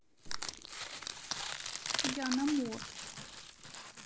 яна мот